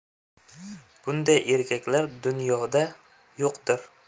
bunday erkaklar dunyoda yo'qdir